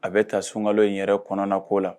A bɛ taa sunka in yɛrɛ kɔnɔna nako la